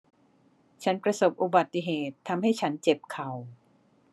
ฉันประสบอุบัติเหตุทำให้ฉันเจ็บเข่า